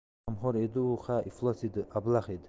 haromxo'r edi u ha iflos edi ablah edi